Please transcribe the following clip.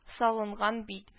Салынган бит